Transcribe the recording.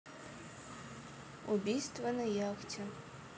убийство на яхте